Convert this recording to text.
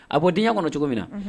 A bɔdenya kɔnɔ cogo min na